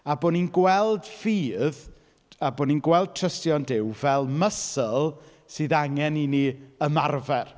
A bod ni'n gweld ffydd, a bod ni'n gweld trystio yn Duw fel muscle sydd angen i ni ymarfer.